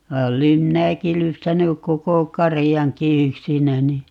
vaan olen minäkin lypsänyt koko karjankin yksinäni